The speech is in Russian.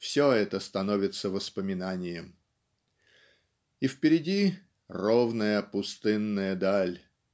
все это становится воспоминанием", и впереди "ровная пустынная даль